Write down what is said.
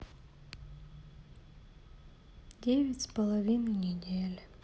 девять с половиной недель